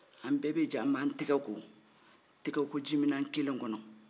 an bɛɛ bɛ jɛ an b'an tigɛ ko tɛgɛkojimina kelen kɔnɔ